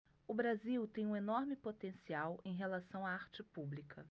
o brasil tem um enorme potencial em relação à arte pública